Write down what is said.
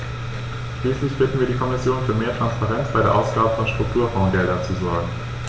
Schließlich bitten wir die Kommission, für mehr Transparenz bei der Ausgabe von Strukturfondsgeldern zu sorgen.